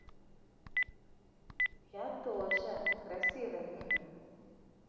я тоже красивое имя